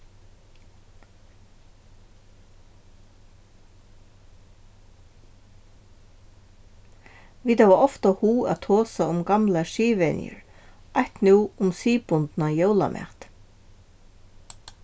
vit hava ofta hug at tosa um gamlar siðvenjur eitt nú um siðbundnan jólamat